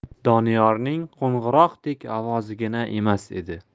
doniyorning qo'ng'iroqdek ovozigina emas edi